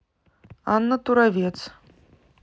анна туровец